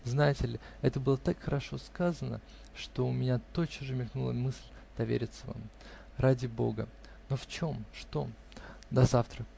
Знаете ли, это было так хорошо сказано, что у меня тотчас же мелькнула мысль довериться вам. -- Ради бога, но в чем? что? -- До завтра.